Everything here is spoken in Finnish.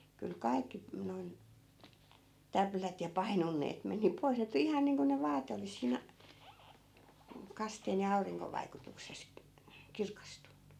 kyllä kaikki noin täplät ja painonteet meni pois ne tuli ihan niin kuin ne vaate olisi siinä mm kasteen ja auringon vaikutuksessa kirkastunut